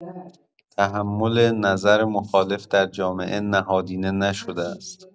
تحمل نظر مخالف در جامعه نهادینه نشده است!